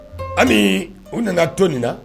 Hali u nana to nin na